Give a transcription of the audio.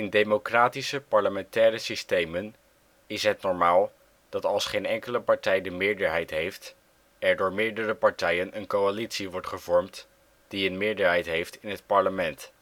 democratische parlementaire systemen is het normaal dat als geen enkele partij de meerderheid heeft, er door meerdere partijen een coalitie wordt gevormd die een meerderheid heeft in het parlement